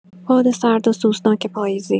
باد سرد و سوزناک پاییزی